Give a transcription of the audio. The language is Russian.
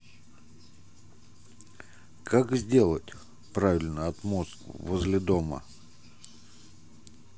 как сделать правильно отмостку возле дома